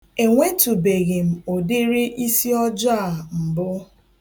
Enwetụbeghị m ụdịrị isiọjọọ a mbụ.